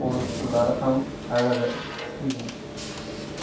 bonus pullari ham nazarda tutilgan